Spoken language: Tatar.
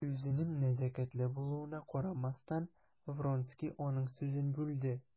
Үзенең нәзакәтле булуына карамастан, Вронский аның сүзен бүлде.